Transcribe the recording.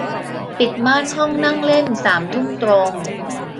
ปิดม่านห้องนั่งเล่นสามทุ่มตรง